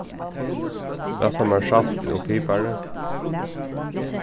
rætta mær saltið og piparið